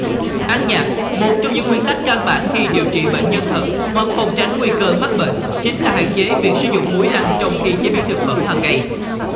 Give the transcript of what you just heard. ăn nhạt một trong những nguyên tắc căn bản khi điều trị bệnh nhân thận hoặc phòng tránh nguy cơ mắc bệnh chính là hạn chế việc sử dụng muối ăn trong khi chế biến thực phẩm hàng ngày